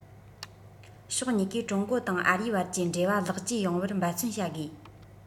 ཕྱོགས གཉིས ཀས ཀྲུང གོ དང ཨ རིའི བར གྱི འབྲེལ བ ལེགས བཅོས ཡོངས བར འབད བརྩོན བྱ དགོས